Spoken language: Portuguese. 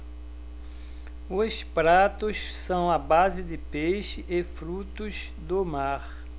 os pratos são à base de peixe e frutos do mar